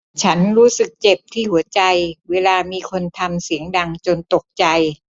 ฉันรู้สึกเจ็บที่หัวใจเวลามีคนทำเสียงดังจนตกใจ